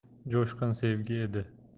jo'shqin sevgi edi